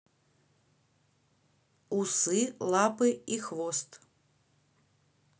усы лапы и хвост